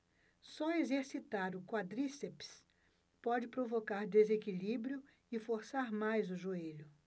só exercitar o quadríceps pode provocar desequilíbrio e forçar mais o joelho